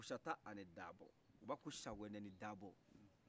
kusata ani dabɔ baku sakɔnɛni dabɔ